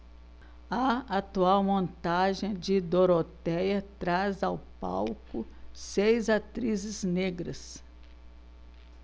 a atual montagem de dorotéia traz ao palco seis atrizes negras